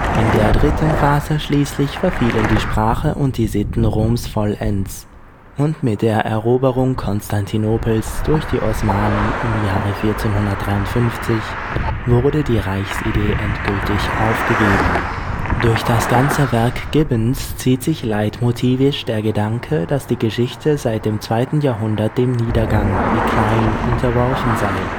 In der dritten Phase schließlich verfielen die Sprache und die Sitten Roms vollends, und mit der Eroberung Konstantinopels durch die Osmanen im Jahre 1453 wurde die Reichsidee endgültig aufgegeben. Durch das ganze Werk Gibbons zieht sich leitmotivisch der Gedanke, dass die Geschichte seit dem 2. Jahrhundert dem Niedergang (decline) unterworfen sei